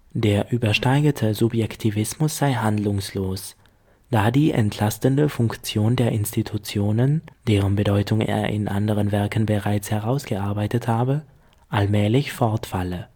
Der übersteigerte Subjektivismus sei handlungslos, da die entlastende Funktion der Institutionen, deren Bedeutung er in anderen Werken bereits herausgearbeitet habe, allmählich fortfalle